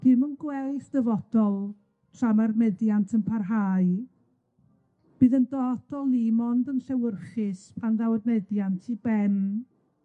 Dwi'm yn gweld dyfodol tra ma'r meddiant yn parhau, bydd 'yn dyfodol ni mond yn llewyrchus pan ddaw'r meddiant i ben,